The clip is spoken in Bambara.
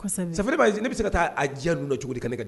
E ka sabali. Safɛ ne bɛ se ka taa a diya ninnu na cogo di ka ne ka